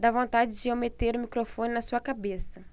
dá vontade de eu meter o microfone na sua cabeça